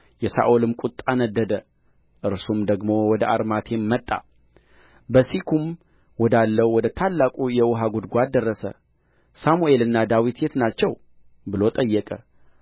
የሳኦልም ቍጣ ነደደ እርሱም ደግሞ ወደ አርማቴም መጣ በሤኩም ወዳለው ወደ ታላቁ የውኃ ጕድጓድ ደረሰ ሳሙኤልና ዳዊት የት ናቸው ብሎ ጠየቀ